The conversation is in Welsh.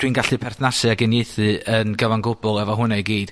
Dwi'n gallu perthnasu ag uniaethu yn gyfan gwbwl efo hwnna i gyd.